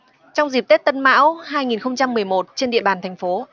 trong dịp tết tân mão hai nghìn không trăm mười một trên địa bàn thành phố